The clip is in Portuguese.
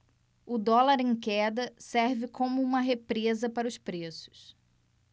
o dólar em queda serve como uma represa para os preços